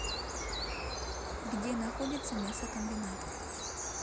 где находится мясокомбинат